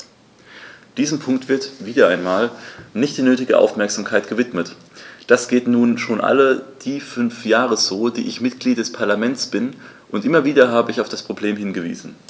Diesem Punkt wird - wieder einmal - nicht die nötige Aufmerksamkeit gewidmet: Das geht nun schon all die fünf Jahre so, die ich Mitglied des Parlaments bin, und immer wieder habe ich auf das Problem hingewiesen.